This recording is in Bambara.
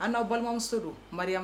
An n'aw balimamuso don maria